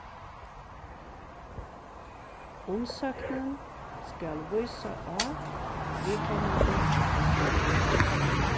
umsóknin skal vísa á viðkomandi arbeiðsroyndir